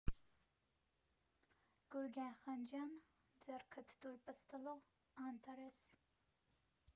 ԳՈՒՐԳԵՆ ԽԱՆՋՅԱՆ, «ՁԵՌՔԴ ՏՈՒՐ, ՊՍՏԼՈ», ԱՆՏԱՐԵՍ։